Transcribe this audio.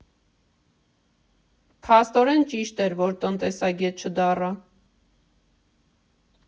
Փաստորեն ճիշտ էր, որ տնտեսագետ չդառա։